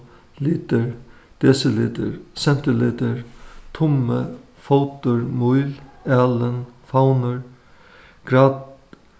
litur desilitur sentilitur tummi fótur míl alin favnur grad